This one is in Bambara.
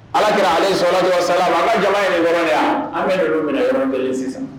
Alakira aleyihi salatu wa salaam ka jama ye nin dɔrɔnw de ye wa, an bɛɛ d bɛ minɛ yɔrɔn nin 1 sisan.